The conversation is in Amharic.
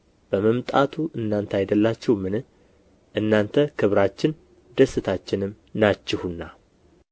በመምጣቱ እናንተ አይደላችሁምን እናንተ ክብራችን ደስታችንም ናችሁና